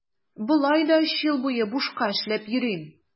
Болай да өч ел буе бушка эшләп йөрим.